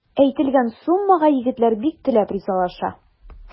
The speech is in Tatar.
Әйтелгән суммага егетләр бик теләп ризалаша.